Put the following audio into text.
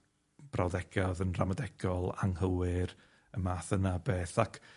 brawddega' o'dd yn ramadegol anghywir, y math yna o beth, ac